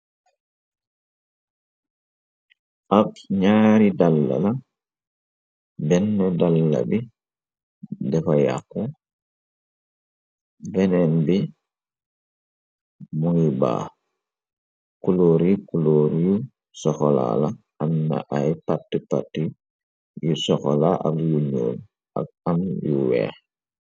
Ab ñaari daala benna daala bi dafa yàqu beneen bi muy baa kulóori kulóor yu soxola la am na ay patt pai yu soxola ak lu nuul ak am yu weex.